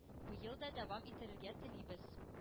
Быел да дәвам иттерергә телибез.